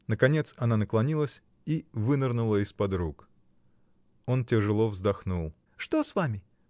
Наконец она наклонилась и вынырнула из-под рук. Он тяжело вздохнул. — Что с вами?